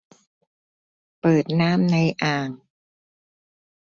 เปิดน้ำในอ่าง